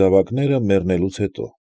Զավակները մեռնելուց հետո։